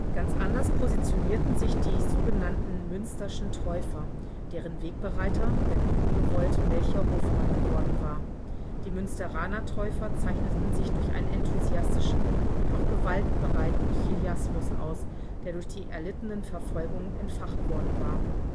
Ganz anders positionierten sich die „ Münsterschen Täufer “, deren Wegbereiter – wenn auch ungewollt – Melchior Hofmann geworden war. Die Münsteraner Täufer zeichneten sich durch einen enthusiastischen und auch gewaltbereiten Chiliasmus aus, der durch die erlittenen Verfolgungen entfacht worden war